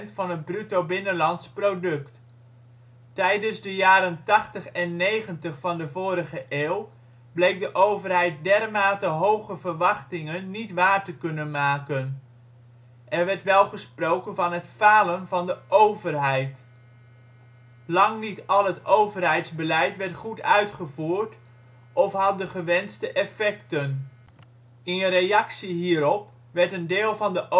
van het Bruto binnenlands product. Tijdens de jaren tachtig en negentig van de vorige eeuw bleek de overheid dermate hoge verwachtingen niet waar te kunnen maken. Er werd wel gesproken van het falen van de overheid. Lang niet al het overheidsbeleid werd goed uitgevoerd, of had de gewenste effecten. In reactie hierop, werd een deel van de overheidstaken